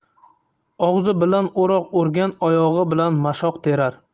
og'zi bilan o'roq o'rgan oyog'i bilan mashoq terar